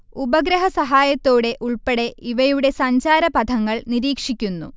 ഉപഗ്രഹ സഹായത്തോടെ ഉൾപ്പെടെ ഇവയുടെ സഞ്ചാരപഥങ്ങൾ നിരീക്ഷിക്കുന്നു